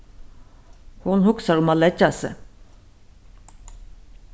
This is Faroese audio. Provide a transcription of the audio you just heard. hon hugsar um at leggja seg